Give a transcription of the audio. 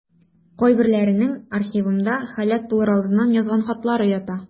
Кайберләренең архивымда һәлак булыр алдыннан язган хатлары ята.